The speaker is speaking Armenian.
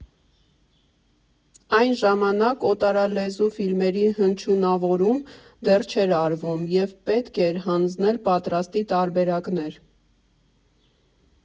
Այն ժամանակ օտարալեզու ֆիլմերի հնչյունավորում դեռ չէր արվում և պետք էր հանձնել պատրաստի տարբերակներ։